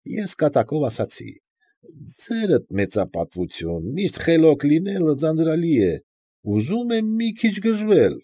Ես կատակով ասացի. «Ձերդ մեծապատվություն, միշտ խելոք լինելը ձանձրալի է, ուզում եմ մի քիչ գժվել»։